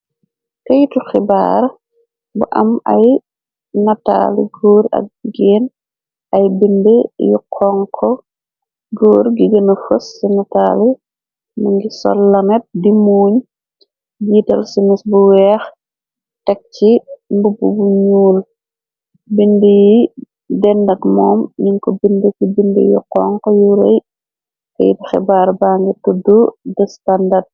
Keytu xibaar bu am ay nataali góor ak géen. Ay bind yu xonko. Góor gi gëna fos ci natali nangi sol lunet di muuñ biital sinis bu weex tek ci mbubb bu ñuul. Bind yi dendak moom ñinko bind ci bind yu xonk yurey. Keytu xibaar ba ngi tuddu standard news.